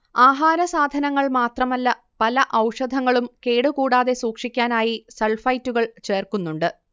ആഹാരസാധനങ്ങൾ മാത്രമല്ല പല ഔഷധങ്ങളും കേടുകൂടാതെ സൂക്ഷിക്കാനായി സൾഫൈറ്റുകൾ ചേർക്കുന്നുണ്ട്